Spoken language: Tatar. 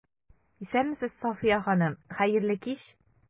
Исәнмесез, Сафия ханым, хәерле кич!